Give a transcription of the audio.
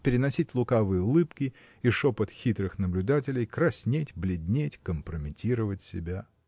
переносить лукавые улыбки и шепот хитрых наблюдателей краснеть бледнеть компрометировать себя.